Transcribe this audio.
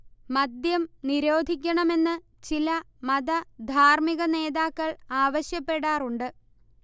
മദ്യം നിരോധിക്കണമെന്ന് ചില മത ധാർമ്മികനേതാക്കൾ ആവശ്യപ്പെടാറുണ്ട്